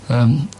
Yym.